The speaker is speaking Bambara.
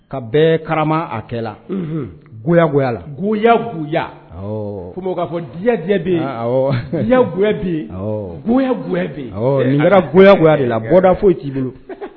Ka bɛɛ karama hakɛ la, goya goya la. Goya goya , awɔɔ, karamɔgɔ k'a fɔ diya diya bɛ yen, awɔɔ, diyagoya bɛ yen, awɔ, goya goya bɛ yen, awɔ nin kɛra goya goya de la, bɔda foyi t'i bolo.